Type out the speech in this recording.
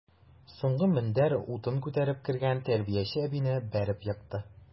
Соңгы мендәр утын күтәреп кергән тәрбияче әбине бәреп екты.